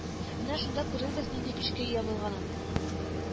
Менә шунда күрербез нинди көчкә ия булганын